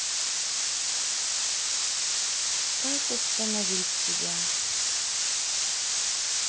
как установить тебя